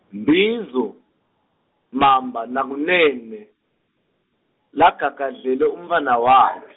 Mbizo, Mamba naKunene, lagagadlele umntfwana wakh-.